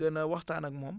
gën a waxtaan ak moom